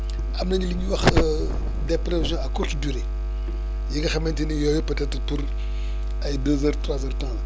am nañu lu ñuy wax des prévisions à courte durée yi nga xamante ni yooyu peut être pour ay deux heures trois heures de temps la